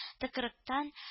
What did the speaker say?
Тыкрыктан